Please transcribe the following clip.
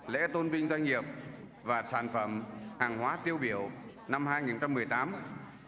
lễ tôn vinh doanh nghiệp và sản phẩm hàng hóa tiêu biểu năm hai nghìn không trăm mười tám